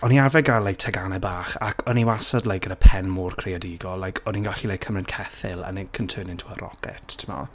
O'n i arfer gael like teganau bach, ac o'n i wastad, like, gyda pen mawr creadigol, like o'n i'n gallu, like, cymryd ceffyl, and it can turn into a rocket timod.